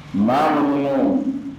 Ma